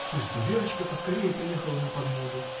Пусть бы Верочка поскорей приехала на подмогу.